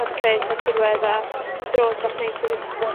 ma' 'di creu atha tirwedd a dro's bach neis i fynd.